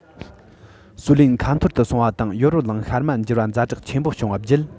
སུའུ ལེན ཁ ཐོར དུ སོང བ དང ཡོ རོབ གླིང ཤར མ འགྱུར བ ཛ དྲག ཆེན པོ བྱུང བ བརྒྱུད